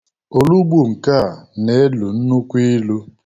Olugbu nke a na-elu nnukwu ilu